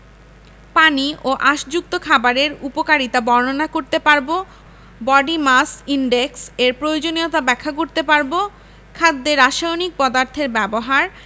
পানি ও আশযুক্ত খাবারের উপকারিতা বর্ণনা করতে পারব বডি মাস ইনডেক্স এর প্রয়োজনীয়তা ব্যাখ্যা করতে পারব খাদ্যে রাসায়নিক পদার্থের ব্যবহার